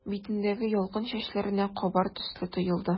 Битендәге ялкын чәчләренә кабар төсле тоелды.